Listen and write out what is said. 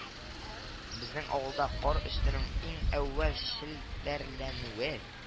Безнең авылда кар өстенең иң әүвәл челтәрләнүе